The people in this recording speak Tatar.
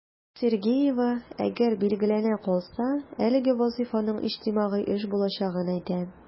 Сергеева, әгәр билгеләнә калса, әлеге вазыйфаның иҗтимагый эш булачагын әйтә.